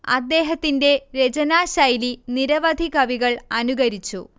അദ്ദേഹത്തിന്റെ രചനാശൈലി നിരവധി കവികൾ അനുകരിച്ചു